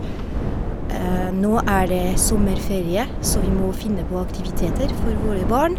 Nå er det sommerferie, så vi må finne på aktiviteter for våre barn.